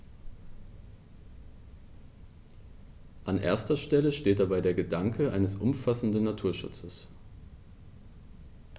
An erster Stelle steht dabei der Gedanke eines umfassenden Naturschutzes.